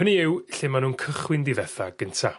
Hynny yw lle ma' nw'n cychwyn difetha gynta